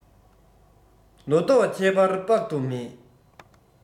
ལོ ཏོག ཁྱད པར དཔག ཏུ མེད